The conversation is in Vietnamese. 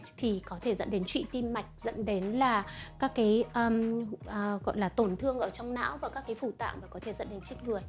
thì có thể dẫn tới trụy tim mạch dẫn tới tổn thương não tổn thương các phủ tạng và chết người